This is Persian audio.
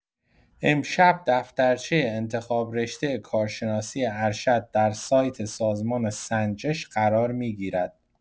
امشب دفترچه انتخاب رشته کارشناسی‌ارشد در سایت سازمان سنجش قرار می‌گیرد.